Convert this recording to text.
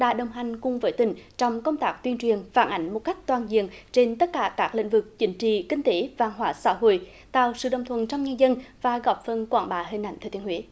đã đồng hành cùng với tỉnh trong công tác tuyên truyền phản ảnh một cách toàn diện trên tất cả các lĩnh vực chính trị kinh tế văn hóa xã hội tạo sự đồng thuận trong nhân dân và góp phần quảng bá hình ảnh thừa thiên huế